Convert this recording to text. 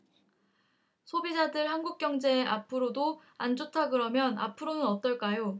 소비자들 한국 경제 앞으로도 안 좋다그러면 앞으로는 어떨까요